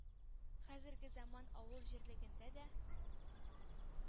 Хәзерге заманда авыл җирлегендә дә